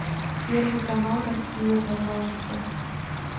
первый канал россия пожалуйста